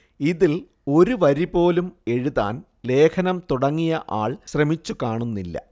ഇതിൽ ഒരു വരി പോലും എഴുതാൻ ലേഖനം തുടങ്ങിയ ആൾ ശ്രമിച്ചു കാണുന്നില്ല